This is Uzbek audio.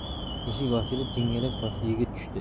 eshik ochilib jingalak sochli yigit tushdi